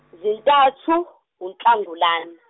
zintathu uNhlangulana .